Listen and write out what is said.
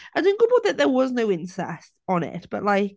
A dwi'n gwybod that there was no incest on it, but like...